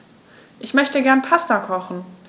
Ich möchte gerne Pasta kochen.